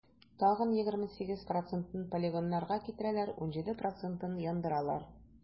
Тагын 28 процентын полигоннарга китерәләр, 17 процентын - яндыралар.